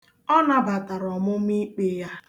Ọ nabatara ọmụmikpe ya.